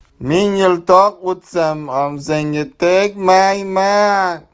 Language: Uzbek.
ming yil toq o'tsam ham senga tegmayman